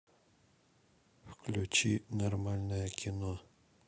включи нормальное кино